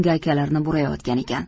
gaykalarini burayotgan ekan